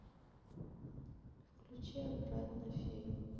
включи обратно фильм